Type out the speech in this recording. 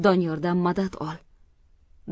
doniyordan madad ol